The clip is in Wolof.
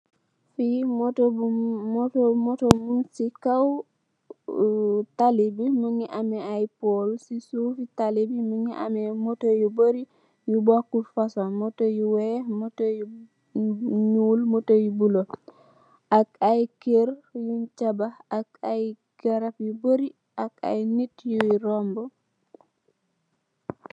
Fii motto bi muñg si kow tali bi, mu ngi amee ay pool. Si suufi tali bi, mu ngi amee motto yu bari yu bookut fasoñg. Motto yu weex, motto yu ñuul, motto yu bulo. Ak ay kér yuñg tabax, ak ay garab yu bari ak ay nit yuy Roomba.